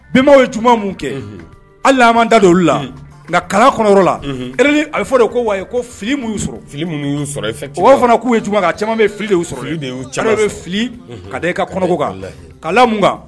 Benbaw ye juguman mun kɛ unhun hali n'an m'an da don olu la un ŋa kalan kɔnɔyɔrɔ la unhun erreur a be fɔ de ko ouai ko fili mun y'u sɔrɔ fili munnu y'u sɔrɔ effectivement u b'a fɔ fana k'u ye juguman kɛ a caman be ye fili de y'u sɔrɔ fili de y'u caman sɔrɔ maa dɔ be fili unhun ka da i ka walah kɔnɔko kan walahi k'a la mun kan